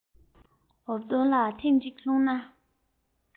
འོབ དོང ལ ཐེངས གཅིག ལྷུང ན